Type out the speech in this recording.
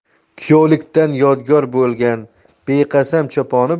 kuyovlikdan yodgor bo'lgan beqasam choponi